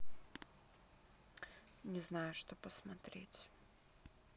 не знаю что посмотреть